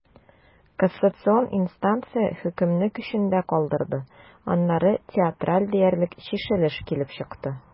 Кассацион инстанция хөкемне көчендә калдырды, аннары театраль диярлек чишелеш килеп чыкты.